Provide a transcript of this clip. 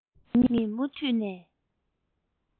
ངེད གཉིས མུ མཐུད དུ